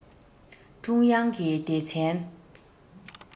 ཀྲུང དབྱང གི སྡེ ཚན